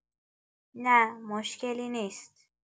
نه، مشکلی نیست.